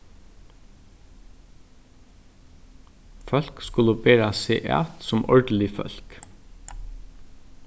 fólk skulu bera seg at sum ordilig fólk